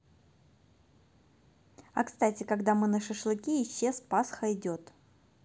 а кстати когда мы на шашлыки исчез пасха идет